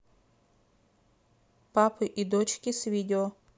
папы и дочки с видео